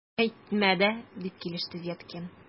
Әйтмә дә! - дип килеште Веткин.